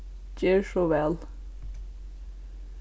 ger so væl